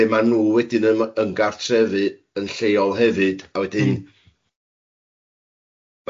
### lle maen nhw wedyn yn ymgartrefu yn lleol hefyd, a wedyn... Mm